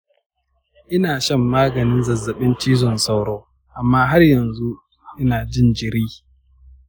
ina shan maganin zazzabin cizon sauro amma har yanzu ina jin jiri.